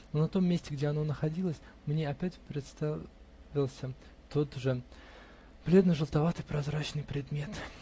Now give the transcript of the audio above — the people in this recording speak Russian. но на том месте, где оно находилось, мне опять представился тот же бледно-желтоватый прозрачный предмет.